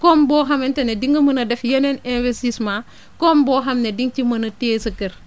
koom boo xamante ne di nga mën a def yeneen investissement koom boo xam ne di nga ci mën a téye sa kër